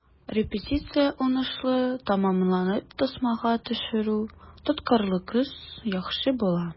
Репетиция уңышлы тәмамланып, тасмага төшерү тоткарлыксыз яхшы була.